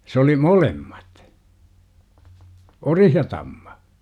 se oli molemmat ori ja tamma